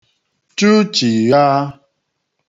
chụchìgha